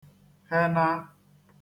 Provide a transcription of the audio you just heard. henā